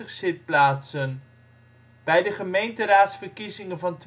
zitplaatsen. Bij de gemeenteraadsverkiezingen van